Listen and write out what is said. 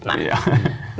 ja .